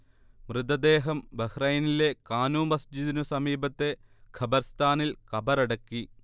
മൃതദേഹം ബഹ്റൈനിലെ കാനൂ മസ്ജിദിനു സമീപത്തെ ഖബർസ്ഥാനിൽ കബറടക്കി